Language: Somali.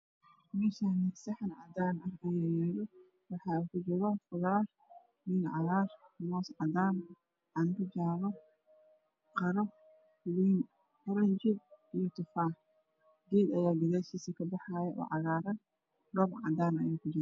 Meeshan waxa yaalo sixin cadaano waxa ku jiro khudar ina cadaan ina cagaar iyo tufaax wiil ayaa meeshiisakabaxayo isagoocagaagan